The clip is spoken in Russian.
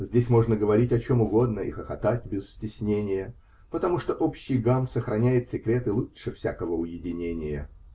здесь можно говорить о чем угодно и хохотать без стеснения, потому что общий гам сохраняет секреты лучше всякого уединения.